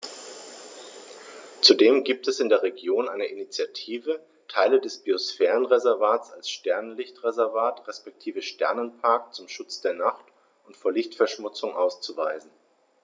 Zudem gibt es in der Region eine Initiative, Teile des Biosphärenreservats als Sternenlicht-Reservat respektive Sternenpark zum Schutz der Nacht und vor Lichtverschmutzung auszuweisen.